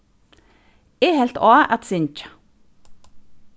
eg helt á at syngja